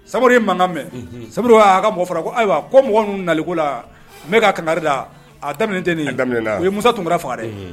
Sabulari ye mankanga mɛn sabu y'a ka mɔgɔ fɔra ko ayiwa ko mɔgɔ minnu nali ko la ne'a kangari la a daminɛ tɛ nin ye musa tun faga dɛ